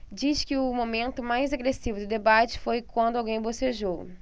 diz que o momento mais agressivo do debate foi quando alguém bocejou